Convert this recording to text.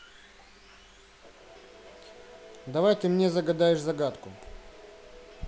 давай ты мне загадаешь загадку